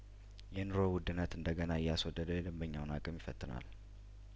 የኑሮ ውድነት እንደገና እያስ ወደደው የደንበኛውን አቅም ይፈትናል